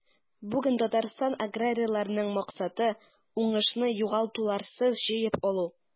Бүген Татарстан аграрийларының максаты – уңышны югалтуларсыз җыеп алу.